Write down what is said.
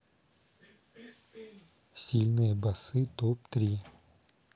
сильные басы топ три